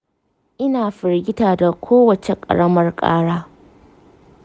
ina firgita da kowace ƙaramar ƙara.